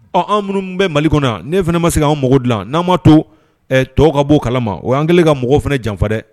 Ɔn an munun bɛ Mali kɔnɔ ne fana ma se kan mago gilan . Nan ma to tɔw ka bɔ a kalama o yan kɛlen ka mɔgɔw fana janfa dɛ